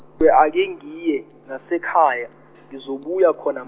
-thwe ake ngiye ngasekhaya, ngizobuya khona m-.